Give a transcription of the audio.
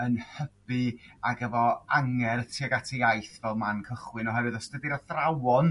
yn hybu ag efo angerdd tuag at ei iaith fel man cychwyn achos os dydi'r athrawon